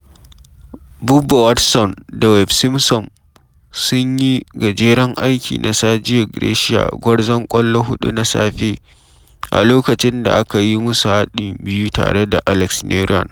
Bubba Watson da Webb Simpson sun yi gajeren aiki na Sergio Garcia, gwarzon ƙwallo huɗu na safe, a lokacin da aka yi musu haɗin biyu tare da Alex Noren.